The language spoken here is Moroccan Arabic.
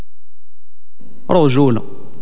هجوله